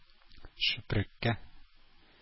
Чүпрәккә